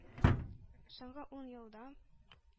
Соңгы ун елда